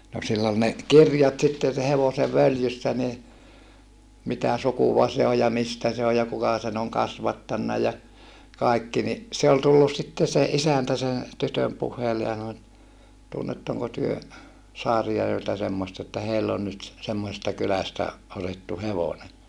no sillä oli ne kirjat sitten sen hevosen följyssä niin mitä sukua se on ja mistä se on ja kuka sen on kasvattanut ja kaikki niin se oli tullut sitten se isäntä sen tytön puheille ja sanoi että tunnetteko te Saarijärveltä semmoista että heillä on nyt semmoisesta kylästä otettu hevonen